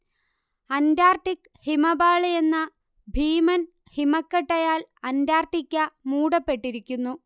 Antarctic ഹിമപാളി എന്ന ഭീമൻ ഹിമക്കട്ടയാൽ അന്റാർട്ടിക്ക മൂടപ്പെട്ടിരിക്കുന്നു